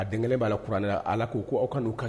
A denkɛ kelen b' la kuranɛ ala ko ko aw ka